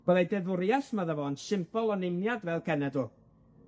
Byddai deddfwriath medda fo yn symbol o'n uniad fel cenedl,